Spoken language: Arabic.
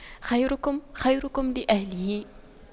خيركم خيركم لأهله